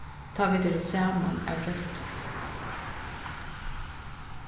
tá vit eru saman av røttum